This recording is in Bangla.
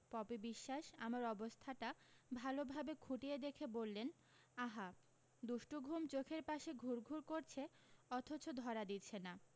পপি বিশ্বাস আমার অবস্থাটা ভালোভাবে খুঁটিয়ে দেখে বললেন আহা দুষ্টু ঘুম চোখের পাশে ঘুর ঘুর করছে অথচ ধরা দিচ্ছে না